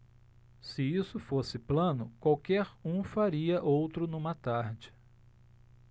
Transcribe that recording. se isso fosse plano qualquer um faria outro numa tarde